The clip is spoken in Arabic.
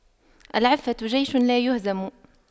العفة جيش لايهزم